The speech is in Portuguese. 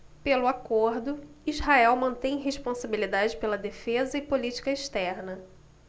pelo acordo israel mantém responsabilidade pela defesa e política externa